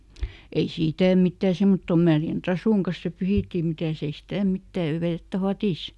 ei sitä mitään semmottoon märän trasun kanssa se pyyhittiin mitäs ei sitä mitään ja vettä vadissa